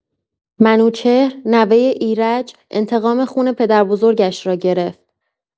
منوچهر، نوۀ ایرج، انتقام خون پدربزرگش را گرفت.